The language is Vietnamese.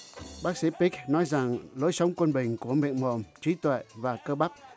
bác sĩ bích nói rằng lối sống quân bình của miệng mồm trí tuệ và cơ bắp